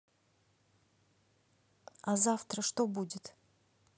а завтра что будет